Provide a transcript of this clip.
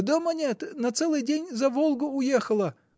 — Дома нет, на целый день за Волгу уехала!